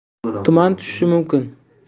tuman tushishi mumkin